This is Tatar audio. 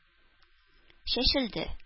Чәчелде